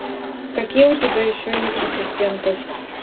какие у тебя еще есть ассистенты